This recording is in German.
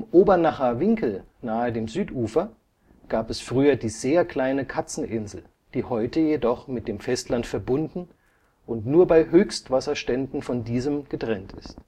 Obernacher Winkel nahe dem Südufer gab es früher die sehr kleine Katzeninsel, die heute jedoch mit dem Festland verbunden und nur bei Höchstwasserständen von diesem getrennt ist